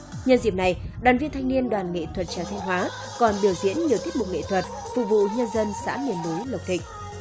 nhân dịp này đoàn viên thanh niên đoàn nghệ thuật chèo thanh hóa còn biểu diễn nhiều tiết mục nghệ thuật phục vụ nhân dân xã miền núi lộc thịnh